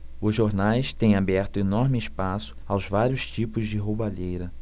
os jornais têm aberto enorme espaço aos vários tipos de roubalheira